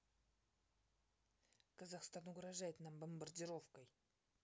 казахстан угрожает нам бомбардировкой